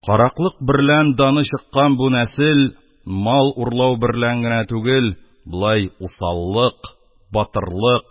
Караклык берлән даны чыккан бу нәсел, мал урлау берлән генә түгел, болай усаллык, батырлык